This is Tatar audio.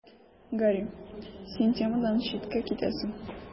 Гарри: Син темадан читкә китәсең.